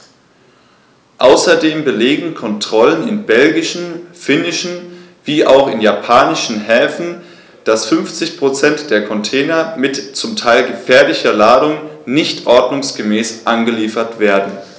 Außerdem belegen Kontrollen in belgischen, finnischen wie auch in japanischen Häfen, dass 50 % der Container mit zum Teil gefährlicher Ladung nicht ordnungsgemäß angeliefert werden.